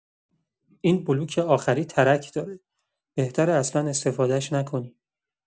این بلوک آخری ترک داره، بهتره اصلا استفاده‌ش نکنیم.